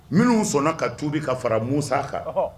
Minnu sɔnna ka tubi ka fara musa kan